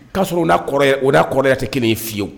K'a sɔrɔ o n'a kɔrɔ o n'a kɔrɔ tɛ kelen ye fiyewu